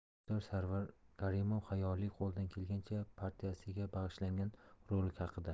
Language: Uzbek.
rejissor sarvar karimov xayoliy qo'ldan kelgancha partiyasiga bag'ishlangan rolik haqida